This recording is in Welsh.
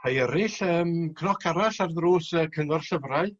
Rhai eryll yym cnoc arall ar ddrws y cyngor llyfrau